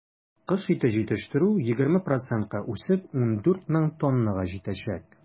Кош ите җитештерү, 20 процентка үсеп, 14 мең тоннага җитәчәк.